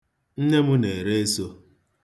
Nne m na-ere eso.